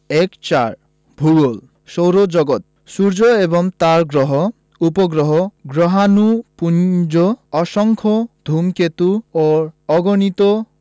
১৪ ভূগোল সৌরজগৎ সূর্য এবং তার গ্রহ উপগ্রহ গ্রহাণুপুঞ্জ অসংখ্য ধুমকেতু ও অগণিত